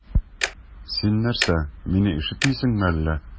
Син нәрсә, мине ишетмисеңме әллә?